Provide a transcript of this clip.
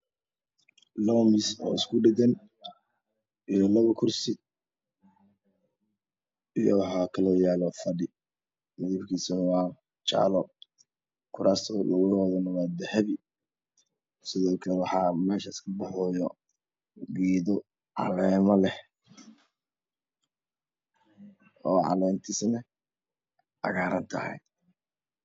Lapa miis oo isku dhagaan iyo alapa kursi iyobwaxaanakaloo yaalo fadhi midapkiisu waa jaalo kursta luga hooduna wa dahapi sidkle waxaa meshaas ka apaxaayo geedo caleema leh oo calentiisna cagaaranbtahy